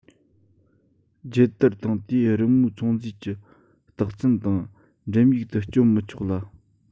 རྒྱལ དར དང དེའི རི མོས ཚོང རྫས ཀྱི རྟགས མཚན དང འགྲེམ ཡིག ཏུ སྤྱོད མི ཆོག ལ